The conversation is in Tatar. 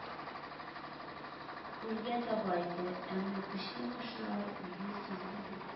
Үргә таба иде, әмма көчле машиналар үрне сизмәде